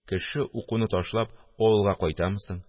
Кеше, укуны ташлап, авылга кайтамы соң